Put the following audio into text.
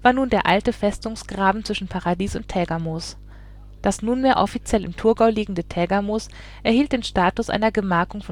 nun der alte Festungsgraben zwischen Paradies und Tägermoos. Das nunmehr offiziell im Thurgau liegende Tägermoos erhielt den Status einer Gemarkung